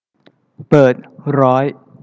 เปิดร้อย